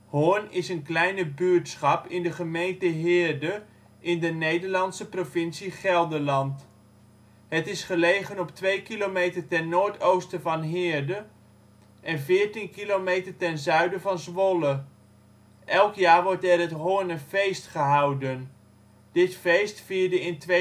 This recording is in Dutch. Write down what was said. Hoorn is een kleine buurtschap in de gemeente Heerde in de Nederlandse provincie Gelderland. Het is gelegen op 2 kilometer ten noordoosten van Heerde, en 14 kilometer ten zuiden van Zwolle. Elk jaar wordt er het Hoornerfeest gehouden. Dit feest vierde in